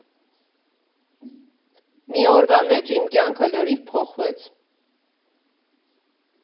Մի օրվա մեջ իմ կյանքը լրիվ փոխվեց։